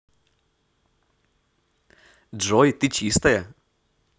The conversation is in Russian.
джой ты чистая